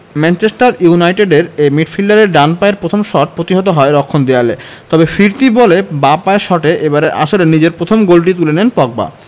Manchester ইউনাইটেডের এই মিডফিল্ডারের ডান পায়ের প্রথম শট প্রতিহত হয় রক্ষণ দেয়ালে তবে ফিরতি বলে বাঁ পায়ের শটে এবারের আসরে নিজের প্রথম গোলটি তুলে নেন পগবা